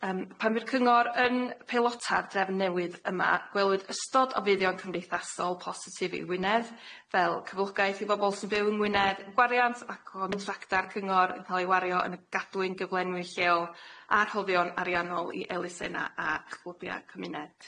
Yym pan bu'r cyngor yn peilota'r drefn newydd yma gwelwyd ystod o fuddion cymdeithasol positif i Wynedd fel cyflogaeth i bobol sy'n byw yng Ngwynedd gwariant ac o'n tracta'r cyngor yn ca'l ei wario yn gadwyn gyflenwi lleol a rhoddion ariannol i elusenna a chwlybia cymuned.